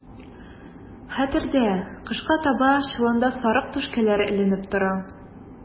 Хәтердә, кышка таба чоланда сарык түшкәләре эленеп тора.